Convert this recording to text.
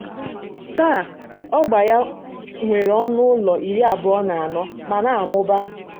Taa, ọgba ya nwere ọnụ ụlọ 24 ma na-amụba.